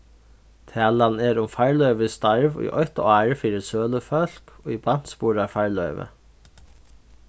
talan er um farloyvisstarv í eitt ár fyri sølufólk í barnsburðarfarloyvi